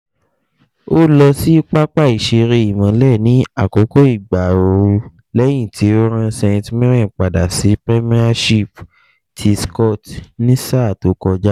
O lọsi papa iṣere Imọlẹ ni akoko igba oru lẹhin ti o ran St Mirren pada si Premiership ti Scot ni saa to kọja.